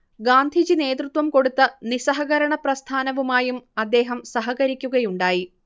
ഗാന്ധിജി നേതൃത്വം കൊടുത്ത നിസ്സഹകരണ പ്രസ്ഥാനവുമായും അദ്ദേഹം സഹകരിയ്ക്കുകയുണ്ടായി